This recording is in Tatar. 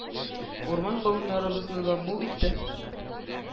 Урман-болыннарыбызны да мул итте,